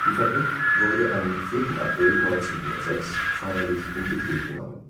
Fabrik wurde am 4. April 1906 feierlich in Betrieb genommen